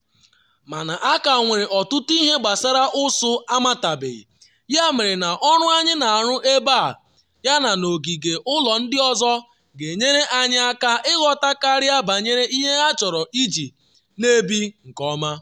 Mana a ka nwere ọtụtụ ihe gbasara ụsụ amatabeghị, ya mere na ọrụ anyị na-arụ ebe a yana n’ogige ụlọ ndị ọzọ ga-enyere anyị aka ịghọta karịa banyere ihe ha chọrọ iji n’ebi nke ọma.”